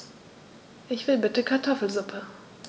Ich will bitte Kartoffelsuppe.